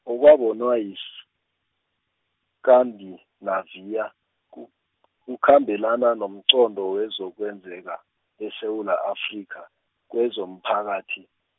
okwabonwa yi- Scandinavia ku kukhambelana nomqondo wezokwenzeka, eSewula Afrika, kwezomphakathi.